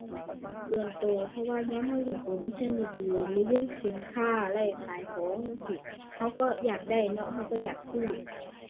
เกินตัว เพราะว่ายามตัวเห็นโปรโมชันดีดี รีวิวสินค้า ไลฟ์ขายของจั่งซี้ ตัวก็อยากได้เนาะ ตัวก็อยากซื้อ